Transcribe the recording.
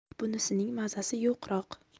bunisining mazasi yo'qroq